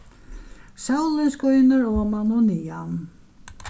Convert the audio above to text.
sólin skínur oman og niðan